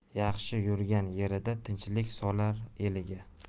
yaxshi yurgan yerida tinchlik solar eliga